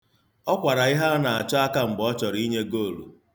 Ọ kwara Iheanachọ aka mgbe ọ chọrọ inye goolu.